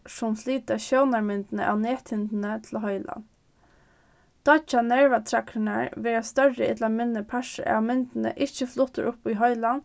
sum flyta sjónarmyndina av nethinnuni til heilan doyggja nervatræðrirnar verða størri ella minni partur av myndini ikki fluttur upp í heilan